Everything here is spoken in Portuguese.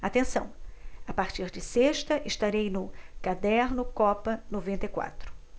atenção a partir de sexta estarei no caderno copa noventa e quatro